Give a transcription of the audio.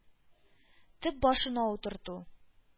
Төп башына утырту,